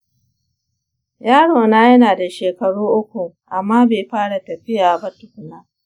yarona yana da shekaru uku, amma bai fara tafiya ba tukuna